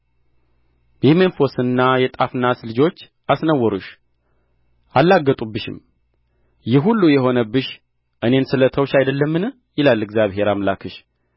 የሜምፎስና የጣፍናስ ልጆች አስነወሩሽ አላገጡብሽም ይህ ሁሉ የሆነብሽ እኔን ስለ ተውሽ አይደለምን ይላል እግዚአብሔር አምላክሽ